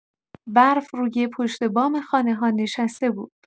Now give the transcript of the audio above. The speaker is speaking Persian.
برف روی پشت‌بام خانه‌ها نشسته بود.